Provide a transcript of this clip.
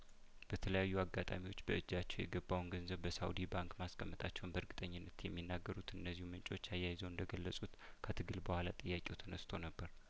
በተለያዩ አጋጣሚዎች በእጃቸው የገባውን ገንዘብ በሳኡዲ ባንክ ማስቀመጣቸውን በእርግጠኝነት የሚናገሩት እነዚሁ ምንጮች አያይዘው እንደገለጹት ከትግል በኋላ ጥያቄው ተነስቶ ነበር